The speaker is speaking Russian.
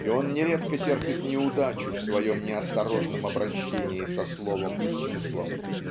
и он нередко терпит неудачу в своем неосторожном обращении со словом и смыслом.